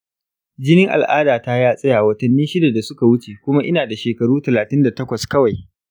jinin al’adata ya tsaya watanni shida da suka wuce kuma ina da shekaru talatin da takwas kawai.